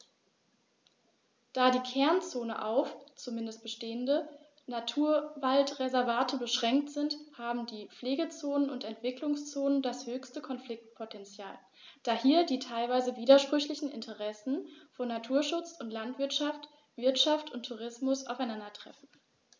Da die Kernzonen auf – zumeist bestehende – Naturwaldreservate beschränkt sind, haben die Pflegezonen und Entwicklungszonen das höchste Konfliktpotential, da hier die teilweise widersprüchlichen Interessen von Naturschutz und Landwirtschaft, Wirtschaft und Tourismus aufeinandertreffen.